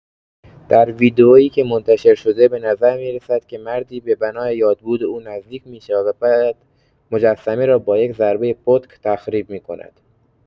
در ویدئویی که منتشر شده به نظر می‌رسد که مردی به بنای یادبود او نزدیک می‌شود و بعد مجسمه را با یک ضربه پتک تخریب می‌کند.